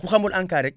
ku xamul ANCAR rek